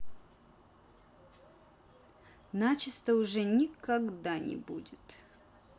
начисто уже никогда не будет